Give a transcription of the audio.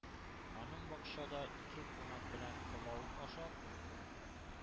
Аның бакчада ике кунак белән пылау ашап,